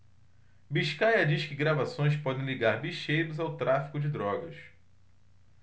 biscaia diz que gravações podem ligar bicheiros ao tráfico de drogas